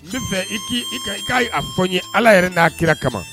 N fɛ i k' k'aa fɔ n ye ala yɛrɛ n'a kira kama